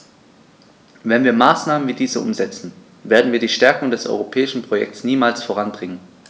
Wenn wir Maßnahmen wie diese umsetzen, werden wir die Stärkung des europäischen Projekts niemals voranbringen.